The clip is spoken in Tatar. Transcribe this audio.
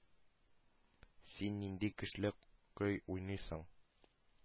Син нинди көчле көй уйныйсың,